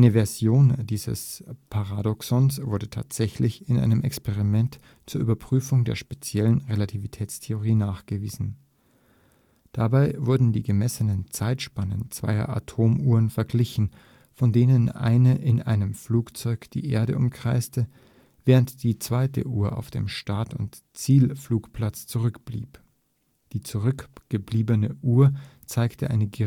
Version dieses Paradoxons wurde tatsächlich in einem Experiment zur Überprüfung der speziellen Relativitätstheorie nachgewiesen. Dabei wurden die gemessenen Zeitspannen zweier Atomuhren verglichen, von denen eine in einem Flugzeug die Erde umkreiste, während die zweite Uhr auf dem Start - und Zielflugplatz zurückblieb. Die „ zurückbleibende “Uhr zeigte eine geringfügige